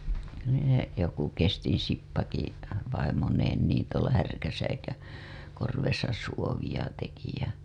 kyllä ne joku Kestin Sippakin vaimoineen niin tuolla Härkäsäikän korvessa suovia teki ja